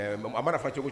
Ɛ a mana fa cogo